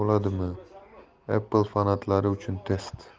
bo'ladimi apple fanatlari uchun test